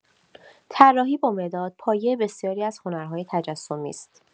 طراحی با مداد پایه بسیاری از هنرهای تجسمی است.